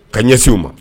Ka ɲɛsinw ma